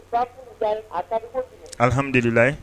Alihamilila